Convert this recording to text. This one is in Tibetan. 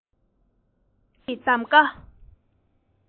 ལས དོན གྱི གདམ ཀ